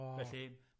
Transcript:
O. Felly...